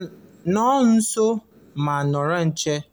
Nọ nso, ma nọrọ iche.